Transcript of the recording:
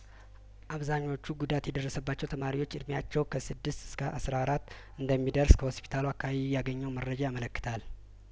አብዛኞቹ ጉዳት የደረሰባቸው ተማሪዎች እድሜያቸው ከስድስት እስከ አስራ አራት እንደሚደርስ ከሆስፒታል አካባቢ ያገኘው መረጃ ያመለክታል